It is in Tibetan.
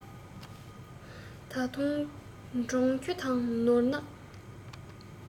ད དུང འབྲོང ཁྱུ དང ནོར གནག